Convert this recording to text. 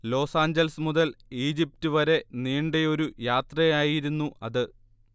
Los Angeles മുതൽ Egypt വരെ നീണ്ടയൊരു യാത്രയായിരുന്നു അത്